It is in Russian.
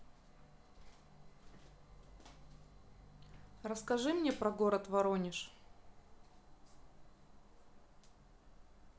расскажи мне про город воронеж